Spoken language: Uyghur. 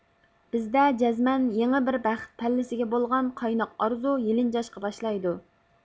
بىزدە جەزمەن يېڭى بىر بەخت پەللىسىگە بولغان قايناق ئارزۇ يېلىنجاشقا باشلايدۇ